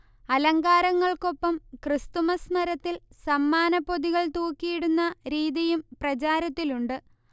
അലങ്കാരങ്ങൾക്കൊപ്പം Christmas മരത്തിൽ സമ്മാനപ്പൊതികൾ തൂക്കിയിടുന്ന രീതിയും പ്രചാരത്തിലുണ്ട്